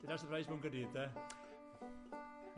Deda sypreis bwnc y dydd de?